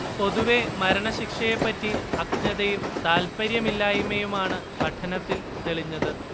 പൊതുവേ മരണശിക്ഷയെപ്പറ്റി അജ്ഞതയും താല്പര്യമില്ലായ്മയുമാണ് പഠനത്തിൽ തെളിഞ്ഞത്